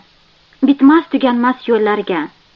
bitmas tuganmas yo'llarga